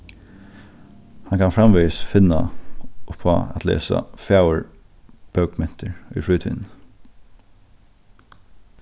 hann kann framvegis finna upp á at lesa fagurbókmentir í frítíðini